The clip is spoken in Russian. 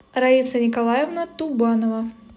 раиса николаевна тубанова